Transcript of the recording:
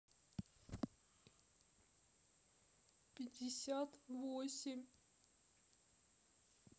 пятьдесят восемь